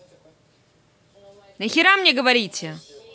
нахера мне говорите